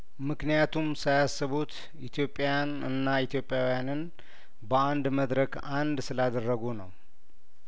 ምክንያቱም ሳያስቡት ኢትዮጵያን እና ኢትዮጵያውያንን በአንድ መድረክ አንድ ስለአደረጉ ነው